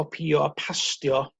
copïo a pastio